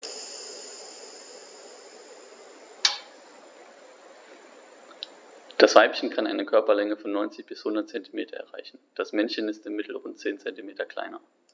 Das Weibchen kann eine Körperlänge von 90-100 cm erreichen; das Männchen ist im Mittel rund 10 cm kleiner.